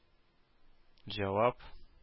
Җавап